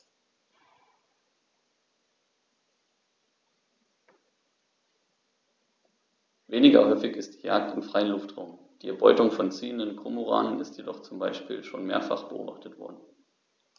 Weniger häufig ist die Jagd im freien Luftraum; die Erbeutung von ziehenden Kormoranen ist jedoch zum Beispiel schon mehrfach beobachtet worden.